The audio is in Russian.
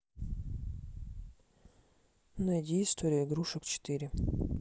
найди история игрушек четыре